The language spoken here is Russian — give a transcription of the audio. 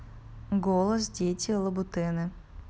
голос дети лабутены